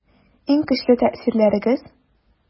Иң көчле тәэсирләрегез?